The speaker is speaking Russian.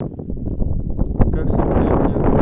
как собирать лего